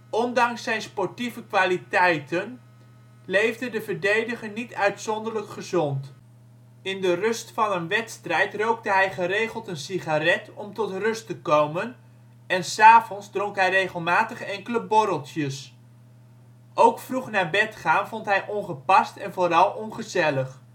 Ondanks zijn sportieve kwaliteiten leefde de verdediger niet uitzonderlijk gezond. In de rust van een wedstrijd rookte hij geregeld een sigaret om tot rust te komen, en ' s avonds dronk hij regelmatig enkele borreltjes. Ook vroeg naar bed gaan vond hij ongepast en vooral ongezellig